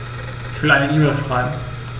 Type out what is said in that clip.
Ich will eine E-Mail schreiben.